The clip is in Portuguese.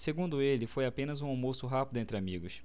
segundo ele foi apenas um almoço rápido entre amigos